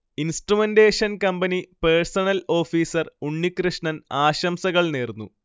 instrumentation company personnel officer Unnikrishnan ആശംസകൾ നേർന്നു